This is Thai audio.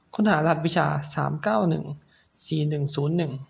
ค้นหารหัสวิชาสามเก้าหนึ่งสี่หนึ่งศูนย์หนึ่ง